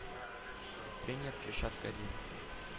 Тренеры – ришат галимов).